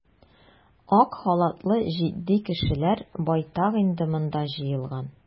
Ак халатлы җитди кешеләр байтак инде монда җыелган.